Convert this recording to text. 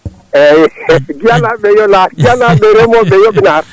eyyi Guiya naaɓe yo naat Guiya naaɓe e remoɓe yooɓe naat